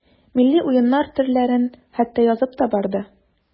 Милли уеннар төрләрен хәтта язып та барды.